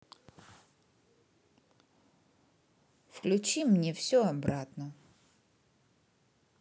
включи мне все обратно